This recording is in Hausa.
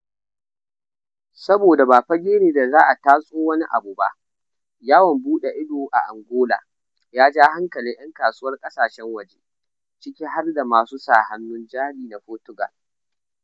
Saboda ba fage ne da za a tatso wani abu ba, yawon buɗe ido a Angola ya ja hankalin 'yan kasuwar ƙasashen waje, ciki har da masu sa hannun jari na Portugual.